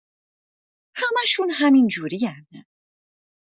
همشون همینجورین.